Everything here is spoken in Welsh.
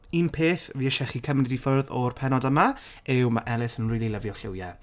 Un peth fi isie chi cymryd i ffwrdd o'r penod yma yw ma' Ellis yn rili lyfio lliwiau.